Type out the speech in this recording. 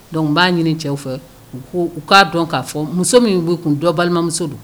Dɔnku u b'a ɲini cɛw fɛ u u k'a dɔn k'a fɔ muso min bɛ kun dɔ balimamuso don